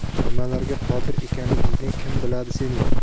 nimalarga qodir ekanligingni kim biladi sening